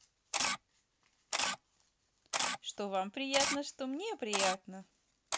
что вам приятно что мне приятно